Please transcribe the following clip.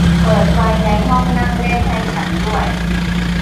เปิดไฟในห้องนั่งเล่นให้ฉันด้วย